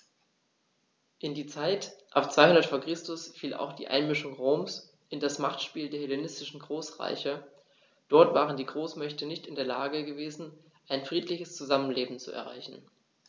In die Zeit ab 200 v. Chr. fiel auch die Einmischung Roms in das Machtspiel der hellenistischen Großreiche: Dort waren die Großmächte nicht in der Lage gewesen, ein friedliches Zusammenleben zu erreichen.